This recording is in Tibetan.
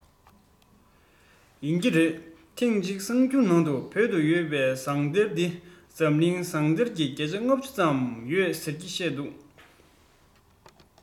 ཡིན གྱི རེད ཐེངས གཅིག གསར འགྱུར ནང དུ བོད དུ ཡོད པའི ཟངས གཏེར གྱིས འཛམ གླིང ཟངས གཏེར གྱི བརྒྱ ཆ ལྔ བཅུ ཟིན གྱི ཡོད ཟེར བཤད འདུག